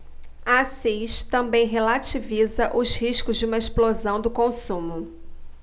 assis também relativiza os riscos de uma explosão do consumo